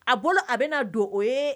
A bolo a bɛna don o ye